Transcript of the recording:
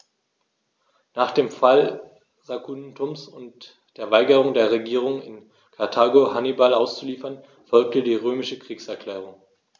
Nach dem Fall Saguntums und der Weigerung der Regierung in Karthago, Hannibal auszuliefern, folgte die römische Kriegserklärung.